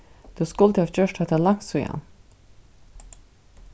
tú skuldi havt gjørt hatta langt síðan